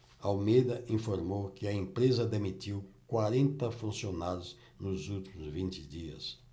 almeida informou que a empresa demitiu quarenta funcionários nos últimos vinte dias